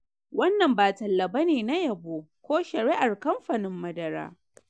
wannan ba talla bane na yabo ko shari’ar kamfanin madara.”